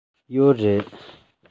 ཡོད རེད